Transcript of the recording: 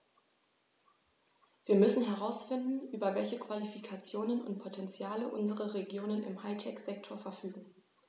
Wir müssen herausfinden, über welche Qualifikationen und Potentiale unsere Regionen im High-Tech-Sektor verfügen.